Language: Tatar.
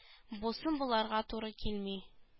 Бу сын болгарга туры килми